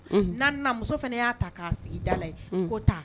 N' muso fana y'a ta k'a sigida ye